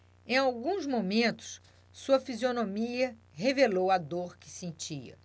em alguns momentos sua fisionomia revelou a dor que sentia